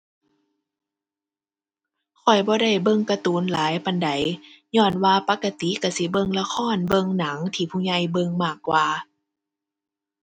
ข้อยบ่ได้เบิ่งการ์ตูนหลายปานใด ญ้อนว่าปกติก็สิเบิ่งละคร เบิ่งหนังที่ผู้ใหญ่เบิ่งมากกว่า